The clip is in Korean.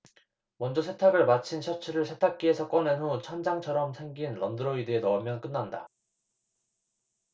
먼저 세탁을 마친 셔츠를 세탁기에서 꺼낸 후 찬장처럼 생긴 런드로이드에 넣으면 끝난다